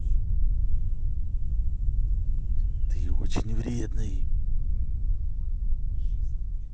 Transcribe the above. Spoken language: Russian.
ты очень вредный